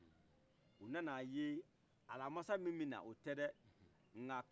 u nan' aye alamisa min bɛna o tɛ dɛ